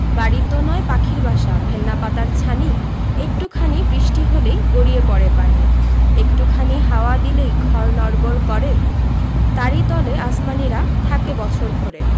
বাড়িতো নয় পাখির বাসা ভেন্না পাতার ছানি একটু খানি বৃষ্টি হলেই গড়িয়ে পড়ে পানি একটু খানি হাওয়া দিলেই ঘর নড়বড় করে তারি তলে আসমানীরা থাকে বছর ভরে